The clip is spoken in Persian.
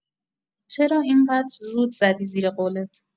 چرا این‌قدر زود زدی زیر قولت؟